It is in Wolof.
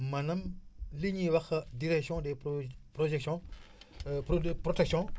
maanaam li ñuy wax direction des projection pro protection des végétaux